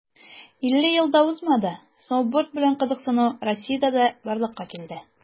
50 ел да узмады, сноуборд белән кызыксыну россиядә дә барлыкка килде.